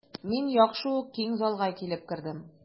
Мин яхшы ук киң залга килеп кердем.